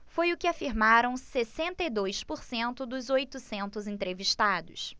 foi o que afirmaram sessenta e dois por cento dos oitocentos entrevistados